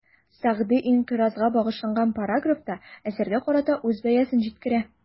Сәгъди «инкыйраз»га багышланган параграфта, әсәргә карата үз бәясен җиткерә.